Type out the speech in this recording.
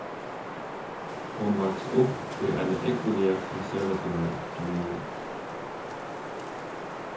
hon vaks upp í eini ógvuliga konservativari familju